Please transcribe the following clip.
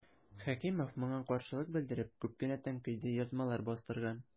Хәкимов моңа каршылык белдереп күп кенә тәнкыйди язмалар бастырган.